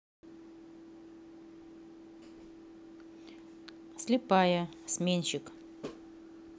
слепая сменщик